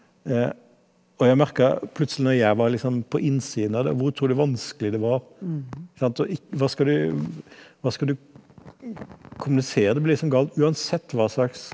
og jeg merka plutselig når jeg var liksom på innsiden av det hvor utrolig vanskelig det var sant og, hva skal du hva skal du kommunisere, det blir liksom galt uansett hva slags.